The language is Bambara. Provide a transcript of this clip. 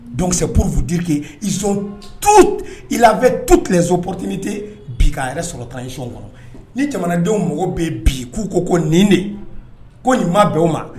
Donc c'est pour vous dire que ils ont tout, il avait toutes les opportunités bi k'a yɛrɛ sɔrɔ transition kɔnɔ. Ni jamanadenw mago bɛ bi k'u ko nin de, ko nin ma bɛn u ma